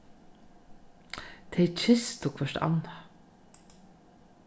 tey kystu hvørt annað